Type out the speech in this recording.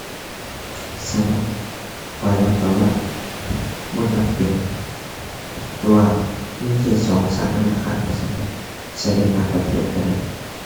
สำหรับข้อยแล้วข้อยว่าบ่จำเป็น เพราะว่ามีแค่สองสามธนาคารก็สามารถก็ในต่างประเทศก็ได้